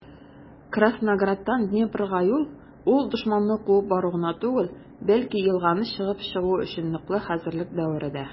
Краснограддан Днепрга юл - ул дошманны куып бару гына түгел, бәлки елганы кичеп чыгу өчен ныклы хәзерлек дәвере дә.